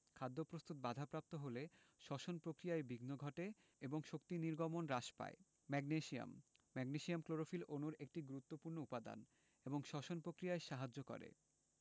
খাদ্যপ্রস্তুত বাধাপ্রাপ্ত হলে শ্বসন প্রক্রিয়ায় বিঘ্ন ঘটে এবং শক্তি নির্গমন হ্রাস পায় ম্যাগনেসিয়াম ম্যাগনেসিয়াম ক্লোরোফিল অণুর একটি গুরুত্বপুর্ণ উপাদান এবং শ্বসন প্রক্রিয়ায় সাহায্য করে